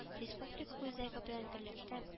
Республика үзәге белән берлектә